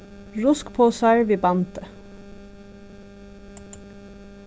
ruskposar við bandi